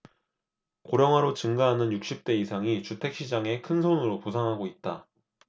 고령화로 증가하는 육십 대 이상이 주택 시장의 큰손으로 부상하고 있다